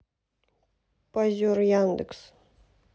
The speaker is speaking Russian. позер яндекс